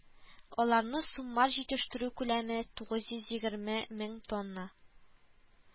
Аларны суммар җитештерү күләме тугыз йөз егерме мең тонна